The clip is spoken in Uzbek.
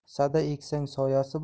sada eksang soyasi